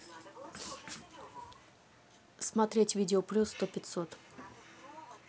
смотреть видео плюс сто пятьсот